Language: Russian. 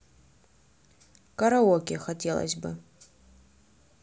караоке хотелось бы